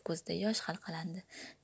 ko'zida yosh halqalandi